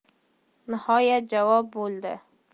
nihoyat javob bo'ldi